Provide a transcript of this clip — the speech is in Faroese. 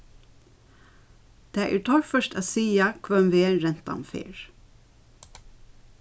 tað er torført at siga hvønn veg rentan fer